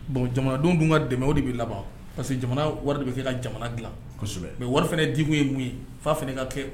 Bon jamanadenw dun ka dɛmɛ o de bɛ laban parce que jamana wɛrɛ de bɛ kɛ ka jamana dilan kosɛbɛ mɛ wari fana d ye mun ye fa fana ka kɛ